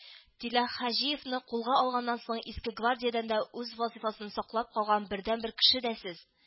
Тилләхаҗиевны кулга алганнан соң иске гвардиядән үз вазифасын саклап калган бердәнбер кеше дә сез